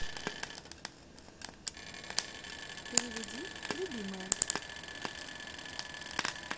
переведи любимая